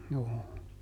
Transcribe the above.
juu